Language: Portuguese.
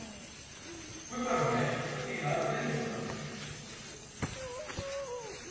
fui para o méxico e fiquei lá três anos